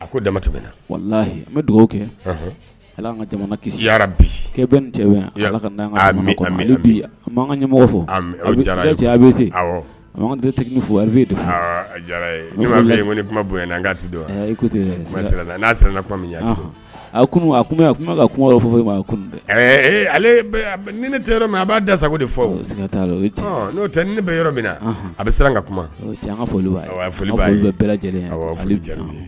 A ko tɛm na wala an bɛ dugawu kɛmɔgɔ ne bon dɔn sera kuma kuma fɔ ni yɔrɔ min b'a dasa de ni bɛ yɔrɔ min a bɛ siran ka kuma an ka foli wa lajɛlen